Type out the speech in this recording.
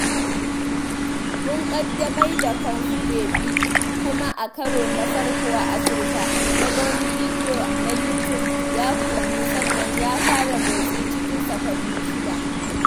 Mun ƙaddamar da Kung Fu Baby, kuma a karo na farko a Afirka, na ga wani bidiyo na YouTube ya kunnu sannan ya fara mosti cikin sakwanni 6.